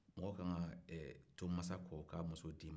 mɔgɔ ka kan ka to maasa kɔ o ka muso di ma